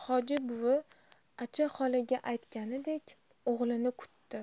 hoji buvi acha xola aytganidek o'g'lini kutdi